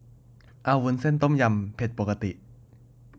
เอาวุ้นเส้นต้มยำเผ็ดปกติ